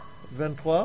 23